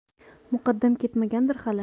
muqaddam ketmagandir hali